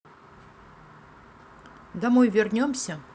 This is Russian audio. домой вернемся